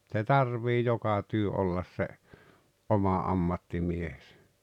se tarvitsee joka työ olla se oma ammattimiehensä